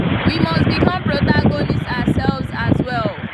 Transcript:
We must become protagonists ourselves as well.